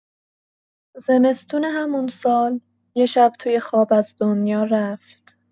زمستون همون سال، یه شب توی خواب از دنیا رفت.